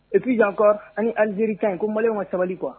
Et puis encore, ani Aljeri ka cas in ko maliyɛnw ka sabali quoi